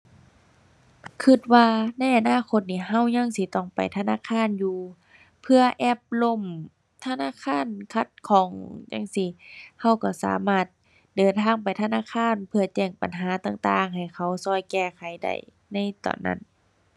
คิดว่าในอนาคตนี้คิดยังสิต้องไปธนาคารอยู่ เผื่อแอปล่ม ธนาคารขัดข้องจั่งซี้ คิดคิดสามารถเดินทางไปธนาคารเพื่อแจ้งปัญหาต่างต่างให้เขาคิดแก้ไขได้ในตอนนั้น